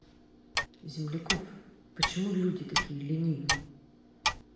земляков почему люди такие ленивые